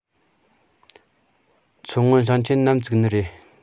མཚོ སྔོན ཞིང ཆེན ནམ བཙུགས ནི རེད